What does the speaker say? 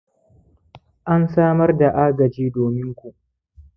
an samar da agaji domin ku